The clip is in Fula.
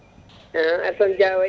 no Alassane Dia waaɗi